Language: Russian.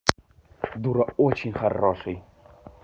дура очень хороший